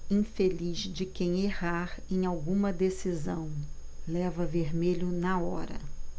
infeliz de quem errar em alguma decisão leva vermelho na hora